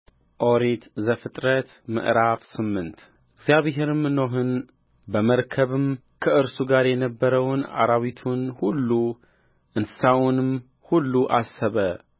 ኦሪት ዘፍጥረት ምዕራፍ ስምንት እግዚአብሔርም ኖኅን በመርከብም ከእርሱ ጋር የነበረውን አራዊቱን ሁሉ እንስሳውንም ሁሉ አሰበ